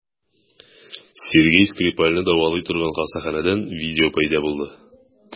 Сергей Скрипальне дәвалый торган хастаханәдән видео пәйда булды.